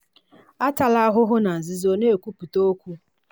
Atala ahụhụ na nzuzo— na-ekwupụta okwu.